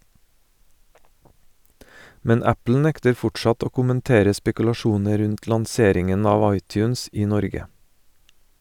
Men Apple nekter fortsatt å kommentere spekulasjoner rundt lanseringen av iTunes i Norge.